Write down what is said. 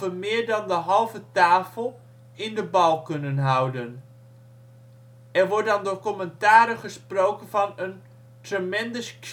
meer dan de halve tafel ' in de bal kunnen houden '. Er wordt dan door commentatoren gesproken van een ' tremendous